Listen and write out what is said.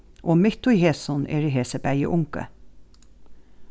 og mitt í hesum eru hesi bæði ungu